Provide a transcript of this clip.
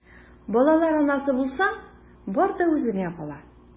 Балалар анасы булсаң, бар да үзеңә кала...